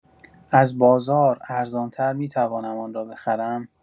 از بازار ارزان‌تر می‌توانم آن را بخرم؟